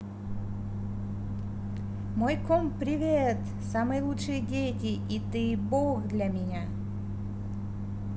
мой комп привет самые лучшие дети и ты бог для меня